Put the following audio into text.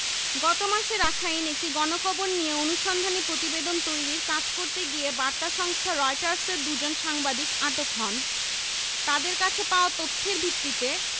গত মাসে রাখাইনে একটি গণকবর নিয়ে অনুসন্ধানী প্রতিবেদন তৈরির কাজ করতে গিয়ে বার্তা সংস্থা রয়টার্সের দুজন সাংবাদিক আটক হন তাঁদের কাছে পাওয়া তথ্যের ভিত্তিতে